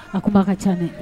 A ko'a ka ca dɛ